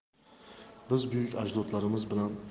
biz buyuk ajdodlarimiz bilan